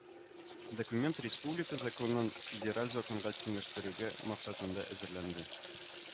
Документ республика законын федераль законга тиңләштерү максатында әзерләнде